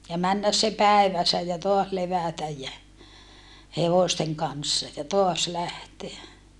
ja mennä se päivässä ja taas levätä ja hevosten kanssa ja taas lähteä